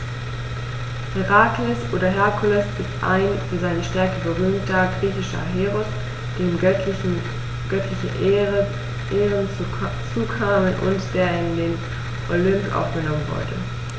Herakles oder Herkules ist ein für seine Stärke berühmter griechischer Heros, dem göttliche Ehren zukamen und der in den Olymp aufgenommen wurde.